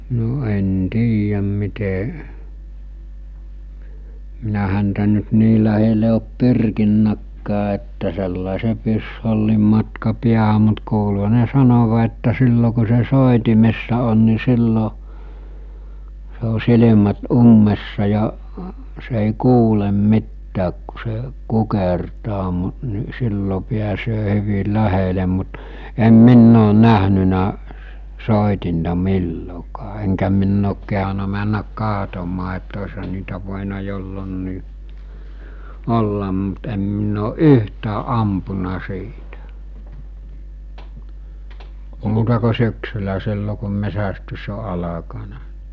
no en tiedä miten minä häntä nyt niin lähelle ole pyrkinytkään että sellaisen pyssyhollin matkan päähän mutta kuuluihan ne sanovan että silloin kun se soitimessa on niin silloin se on silmät ummessa ja se ei kuule mitään kun se kukertaa mutta niin silloin pääsee hyvin lähelle mutta en minä ole nähnyt soidinta milloinkaan enkä minä ole kehdannut mennä katsomaan että olisihan niitä voinut jolloinkin olla mutta en minä ole yhtään ampunut siitä muuta kuin syksyllä silloin kun metsästys on alkanut